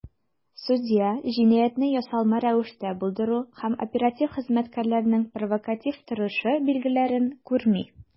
Судья "җинаятьне ясалма рәвештә булдыру" һәм "оператив хезмәткәрләрнең провокатив торышы" билгеләрен күрми.